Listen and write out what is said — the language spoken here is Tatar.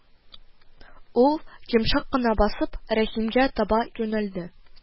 Ул, йомшак кына басып, Рәхимгә таба юнәлде